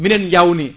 minen jawni